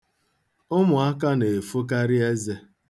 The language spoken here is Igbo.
Ụmụaka na-efokarị eze.